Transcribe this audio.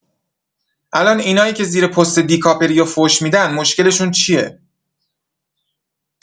الان اینایی که زیر پست دیکاپریو فوش می‌دن مشکلشون چیه؟